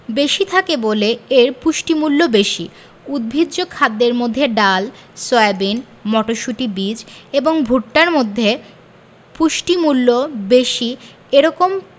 বেশি থাকে বলে এর পুষ্টিমূল্য বেশি উদ্ভিজ্জ খাদ্যের মধ্যে ডাল সয়াবিন মটরশুটি বীজ এবং ভুট্টার মধ্যে পুষ্টিমূল্য বেশি এরকম